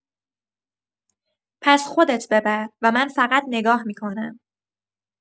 پس خودت ببر و من فقط نگاه می‌کنم.